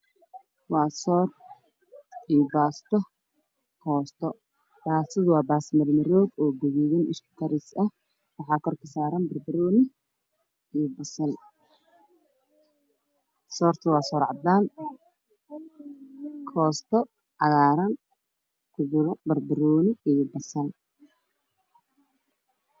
Waa soor baasto koosto baastada waa guduud soortana waa cadaan koostadana waa cagaar